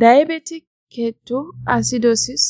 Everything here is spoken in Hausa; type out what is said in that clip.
diabetic ketoacidosis